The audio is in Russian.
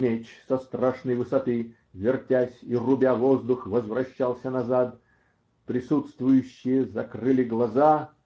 Меч со страшной высоты, вертясь и рубя воздух, возвращался назад. Присутствующие закрыли глаза.